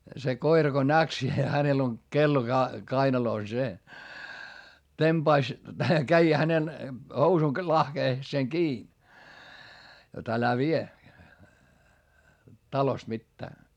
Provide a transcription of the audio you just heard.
se koira kun näki sen hänellä on kello kainalossa se tempaisi kävi hänen housun lahkeeseen kiinni jotta älä vie talosta mitään